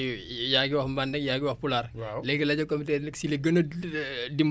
léegi rajo communautaire yi nag si la gën a dimbale nit ñi pour ñu wasaare informaion bi